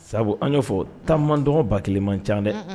Sabu an y'o fɔ taama dɔgɔ ba kelen man ca dɛ